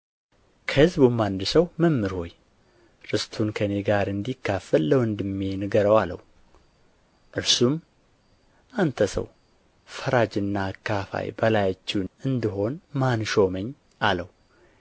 ከሕዝቡም አንድ ሰው መምህር ሆይ ርስቱን ከእኔ ጋር እንዲካፈል ለወንድሜ ንገረው አለው እርሱም አንተ ሰው ፈራጅና አካፋይ በላያችሁ አንድሆን ማን ሾመኝ አለው